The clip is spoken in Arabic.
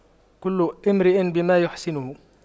كل امرئ بما يحسنه